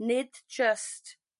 Nid jyst